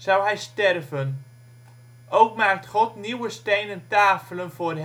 hij sterven. Ook maakt God nieuwe stenen tafelen voor